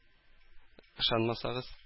Ышанмасагыз